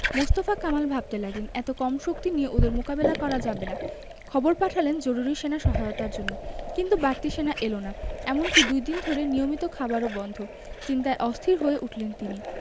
মোস্তফা কামাল ভাবতে লাগলেন এত কম শক্তি নিয়ে ওদের মোকাবিলা করা যাবে না খবর পাঠালেন জরুরি সেনা সহায়তার জন্য কিন্তু বাড়তি সেনা এলো না এমনকি দুই দিন ধরে নিয়মিত খাবারও বন্ধ চিন্তায় অস্থির হয়ে উঠলেন তিনি